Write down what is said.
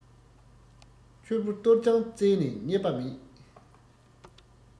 འཆོལ པོ སྟོར ཀྱང བཙལ ནས རྙེད པ རེད